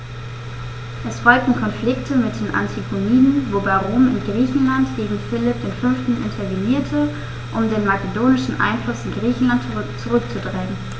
Es folgten Konflikte mit den Antigoniden, wobei Rom in Griechenland gegen Philipp V. intervenierte, um den makedonischen Einfluss in Griechenland zurückzudrängen.